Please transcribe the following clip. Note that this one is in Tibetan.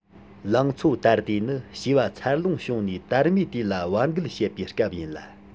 ལང ཚོ དར དུས ནི བྱིས པ འཚར ལོངས བྱུང ནས དར མའི དུས ལ བར བརྒལ བྱེད པའི སྐབས ཡིན ལ